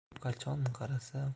u qachon qarasa